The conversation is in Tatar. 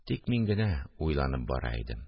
Тик мин генә уйланып бара идем